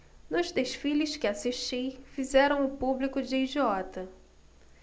nos desfiles que assisti fizeram o público de idiota